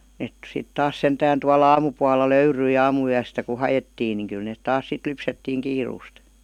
ne sitten taas sentään tuolla aamupuolella löytyi aamuyöstä kun haettiin niin kyllä ne taas sitten lypsettiin kiireesti